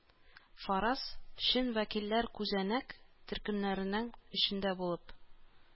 Фараз - чын вәкилләр күзәнәк төркемнәренең эчендә булып...